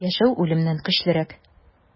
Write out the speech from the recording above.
Яшәү үлемнән көчлерәк.